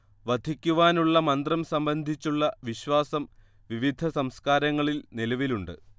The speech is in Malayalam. വധിക്കുവാനുള്ള മന്ത്രം സംബന്ധിച്ചുള്ള വിശ്വാസം വിവിധ സംസ്കാരങ്ങളിൽ നിലവിലുണ്ട്